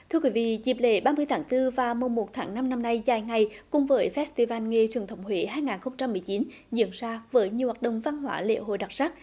thưa quý vị dịp lễ ba mươi tháng tư và mùng một tháng năm năm nay dài ngày cùng vớ phét si van nghề truyền thống huế hai nghìn không trăm mười chín diễn ra với nhiều hoạt động văn hóa lễ hội đặc sắc